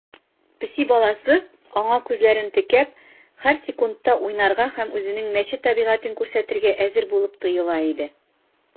Песи баласы, аңа күзләрен текәп, һәр секундта уйнарга һәм үзенең мәче табигатен күрсәтергә әзер булып тоела иде.